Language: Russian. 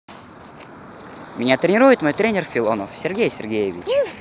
меня тренирует мой тренер филонов сергей сергеевич